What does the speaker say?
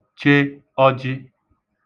che ọjị